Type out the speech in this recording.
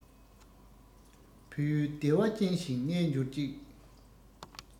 བོད ཡུལ བདེ བ ཅན བཞིན གནས འགྱུར ཅིག